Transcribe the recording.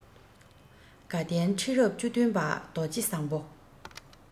དགའ ལྡན ཁྲི རབས བཅུ བདུན པ རྡོ རྗེ བཟང པོ